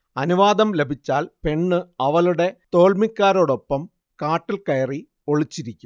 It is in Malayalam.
അനുവാദം ലഭിച്ചാൽ പെണ്ണ് അവളുടെ തോൾമിക്കാരോടൊപ്പം കാട്ടിൽകയറി ഒളിച്ചിരിക്കും